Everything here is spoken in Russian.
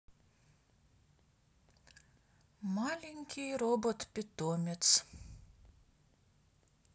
маленький робот питомец